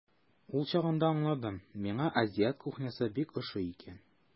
Ул чагында аңладым, миңа азиат кухнясы бик ошый икән.